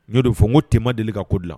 N'o fɔ ko tema deli ka ko dilan